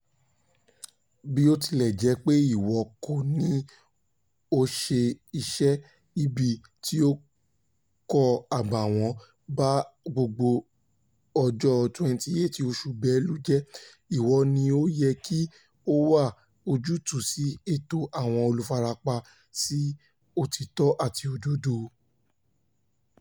Bí ó tilẹ̀ jẹ́ pé ìwọ kọ́ ni o ṣe iṣẹ́-ibi tí ó kó àbààwọ́n ba gbogbo ọjọ́ 28 oṣù Belu jẹ́, ìwọ ni ó yẹ kí o wá ojútùú sí ẹ̀tọ́ àwọn olùfarapa sí òtítọ́ àti òdodo...